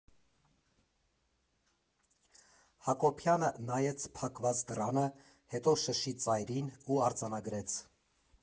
Հակոբյանը նայեց փակված դռանը, հետո շշի ծայրին ու արձանագրեց.